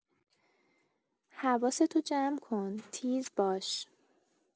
حواست رو جمع‌کن، تیز باش؛